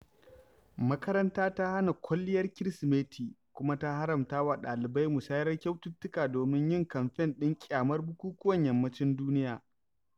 Makarantar ta hana kwalliyar Kirsimeti kuma ta haramta wa ɗalibai musayar kyaututtuka domin yin kamfen ɗin ƙyamar bukukuwan yammacin duniya.